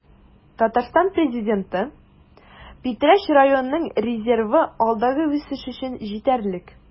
Татарстан Президенты: Питрәч районының резервы алдагы үсеш өчен җитәрлек